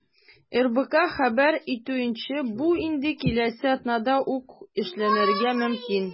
РБК хәбәр итүенчә, бу инде киләсе атнада ук эшләнергә мөмкин.